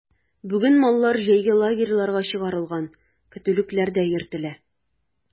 Бүген маллар җәйге лагерьларга чыгарылган, көтүлекләрдә йөртелә.